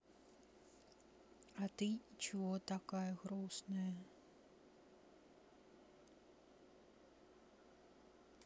а ты чего такая грустная